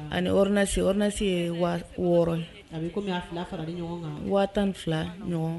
Ani ni se ose ye wɔɔrɔ a kan waati tan fila ɲɔgɔn